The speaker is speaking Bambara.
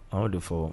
A de fɔ